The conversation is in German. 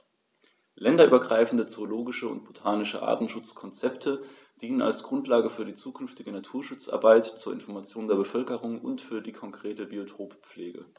Länderübergreifende zoologische und botanische Artenschutzkonzepte dienen als Grundlage für die zukünftige Naturschutzarbeit, zur Information der Bevölkerung und für die konkrete Biotoppflege.